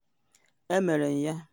Emere m ya.